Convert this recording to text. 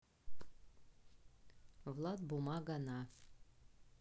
влад бумага на